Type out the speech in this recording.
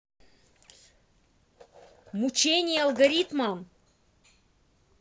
мучение алгоритмом